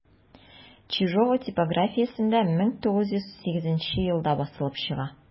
Чижова типографиясендә 1908 елда басылып чыга.